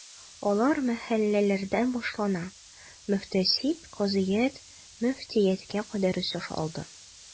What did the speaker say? Алар мәхәлләләрдән башлана, мөхтәсиб, казыят, мөфтияткә кадәр үсеш алды.